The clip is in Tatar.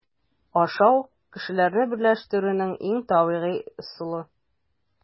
Ашау - кешеләрне берләшүнең иң табигый ысулы.